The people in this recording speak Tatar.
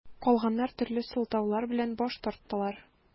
Калганнар төрле сылтаулар белән баш тарттылар.